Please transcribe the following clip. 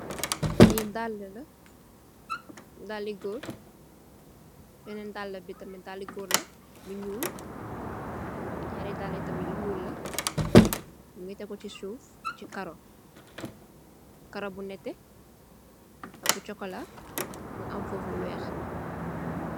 Li daall la, daali gòor. Benn daall bi tamit daali gòor la bu ñuul. Naari daali tamit yu ñuul la, mungi tégu ci suuf, chi karo, Karo bi nètè ak bu chokola mu am fofu lu weeh.